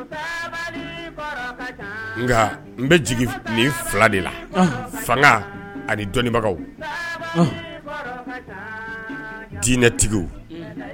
Nka n bɛ jigin ni fila de la fanga ani dɔnnibagaw dinɛtigiw